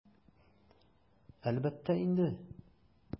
Әлбәттә инде!